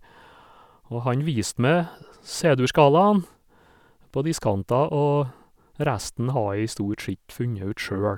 Og han viste meg C-dur-skalaen på diskanter, og resten har jeg stort sett funnet ut sjøl.